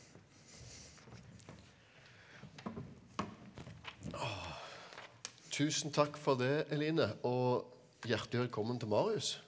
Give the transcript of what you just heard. tusen takk for det Eline og hjertelig velkommen til Marius.